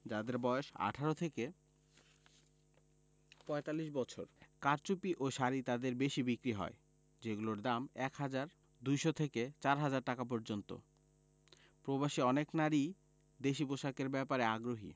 যাঁদের বয়স ১৮ থেকে ৪৫ বছর কারচুপি ও শাড়ি তাঁদের বেশি বিক্রি হয় যেগুলোর দাম ১ হাজার ২০০ থেকে ৪ হাজার টাকা পর্যন্ত প্রবাসী অনেক নারীই দেশি পোশাকের ব্যাপারে আগ্রহী